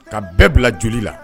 Ka bɛɛ bila jeli la